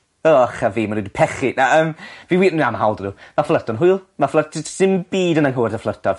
O ych a fi ma' n'w 'di pechu. Na yym. Fi wir... Na ma' hawl 'da n'w. Ma' fflyrto'n hwyl. Ma' fflyrt- d's dim byd yn anghywir 'da fflyrto.